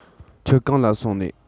ཁྱོད གང ལ སོང ནས